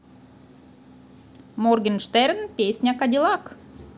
morgenshtern песня cadillac